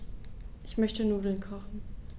Ich möchte Nudeln kochen.